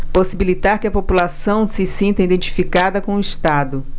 possibilitar que a população se sinta identificada com o estado